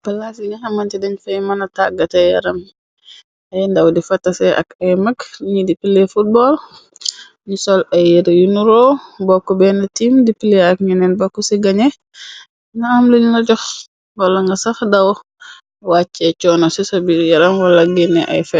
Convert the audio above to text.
Palaas yi naxamanti dañ fay mëna tàggate yaram ay ndaw di fatase. Ak ay mag ni di pilee footbol ñu sol ay yër yu nu roo bokk. Benn tiim di pilee ak ñeneen bakku ci gañe. Na am luñ na jox bola nga sax daw wàcce coono ci sa bi yaram wala genne ay febar.